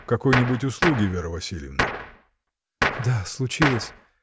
какой-нибудь услуги, Вера Васильевна? — Да, случилось.